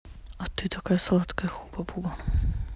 а ты такая сладкая хуба буба